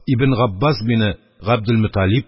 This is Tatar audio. Ибн габбас бине габделмөталиб,